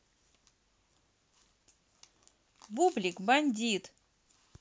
бублик бандит